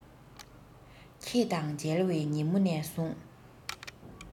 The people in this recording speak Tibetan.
ཁྱེད དང མཇལ བའི ཉིན མོ ནས བཟུང